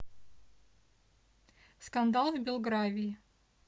скандал в белгравии